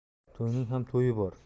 to'yning ham to'yi bor